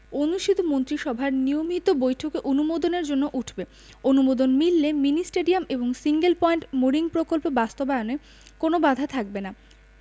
অনুষ্ঠিত মন্ত্রিসভার নিয়মিত বৈঠকে অনুমোদনের জন্য উঠবে অনুমোদন মিললে মিনি স্টেডিয়াম এবং সিঙ্গেল পয়েন্ট মোরিং প্রকল্প বাস্তবায়নে কোনো বাধা থাকবে না